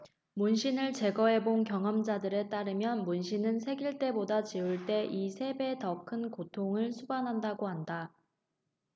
문신을 제거해 본 경험자들에 따르면 문신은 새길 때보다 지울 때 이 세 배 더 큰 고통을 수반한다고 한다